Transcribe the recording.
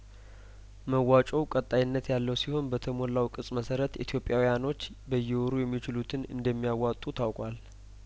መዋጮው ቀጣይነት ያለው ሲሆን በተሞላው ቅጽ መሰረት ኢትዮጵያዊያኖች በየወሩ የሚችሉትን እንደሚያዋጡ ታውቋል